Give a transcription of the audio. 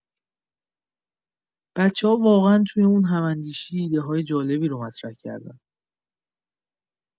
بچه‌ها واقعا توی اون هم‌اندیشی ایده‌های جالبی رو مطرح کردن!